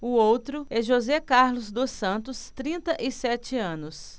o outro é josé carlos dos santos trinta e sete anos